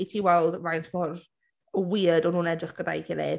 i ti weld faint mor weird o'n nhw'n edrych gyda'i gilydd.